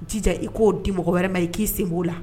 Jija i k'o di mɔgɔ wɛrɛ ma i k'i sen k'o la